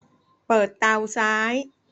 เปิดเตาซ้าย